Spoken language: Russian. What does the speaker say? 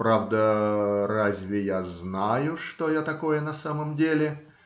Правда, разве я знаю, что я такое на самом деле?